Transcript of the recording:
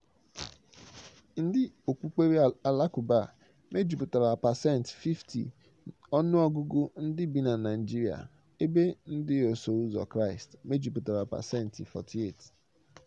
Ndị okpukpere Alakụba mejupụtara pasentị 50 ọnụọgụgụ ndị bi na Naịjirịa ebe Ndị Osoụzọ Kraịstị mejupụtara pasentị 48.